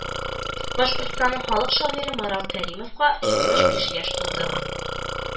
Башкортстанның халык шагыйре Марат Кәримовка җитмеш биш яшь тулды